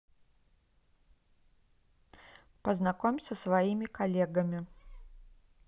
познакомь со своими коллегами